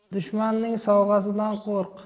dushmanning sovg'asidan qo'rq